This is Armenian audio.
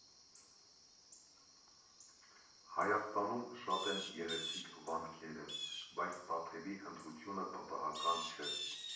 Հայաստանում շատ են գեղեցիկ վանքերը, բայց Տաթևի ընտրությունը պատահական չէ։